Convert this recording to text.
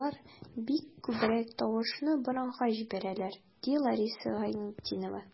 Татарлар бит күбрәк тавышны борынга җибәрә, ди Лариса Гайнетдинова.